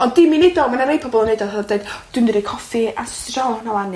Ond dim i neud o ma' 'na rei pobol yn neud o oherwydd deud dwi mynd i roid coffi a sosej rôl yna rŵan...